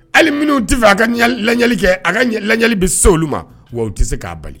Hali minnu tɛ fɛ a ka laɲali kɛ a ka laɲali bɛ se olu ma wa tɛ se k'a bali